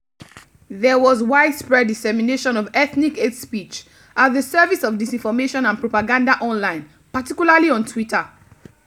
There was widespread dissemination of ethnic hate speech at the service of disinformation and propaganda online, particularly on Twitter.